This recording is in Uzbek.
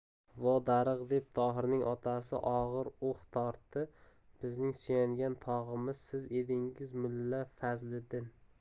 vo darig' deb tohirning otasi og'ir ux tortdi bizning suyangan tog'imiz siz edingiz mulla fazliddin